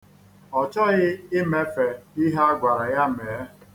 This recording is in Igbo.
Ọ chọghị imefe ihe a gwara ya mee.